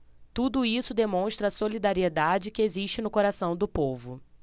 tudo isso demonstra a solidariedade que existe no coração do povo